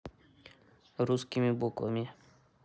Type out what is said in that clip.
русскими буквами